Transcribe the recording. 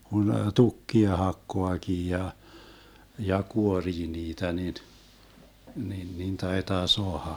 kun tukkia hakkaakin ja ja kuorii niitä niin niin niin taitaa saada